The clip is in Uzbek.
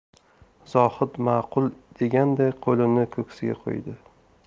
zohid ma'qul deganday qo'lini ko'ksiga qo'ydi